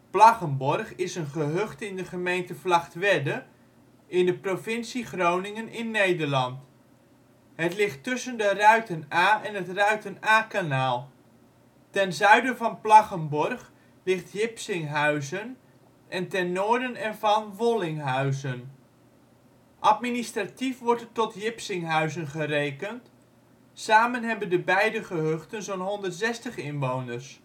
Plaggenborg is een gehucht in de gemeente Vlagtwedde in de provincie Groningen in (Nederland). Het ligt tussen de Ruiten-Aa en het Ruiten-Aa-kanaal. Ten zuiden van Plaggenborg ligt Jipsinghuizen en ten noorden ervan Wollinghuizen. Administratief wordt het tot Jipsinghuizen gerekend, samen hebben de beide gehuchten zo 'n 160 inwoners